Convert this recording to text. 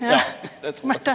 ja, Marta.